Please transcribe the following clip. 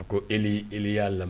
A ko e e y'a lam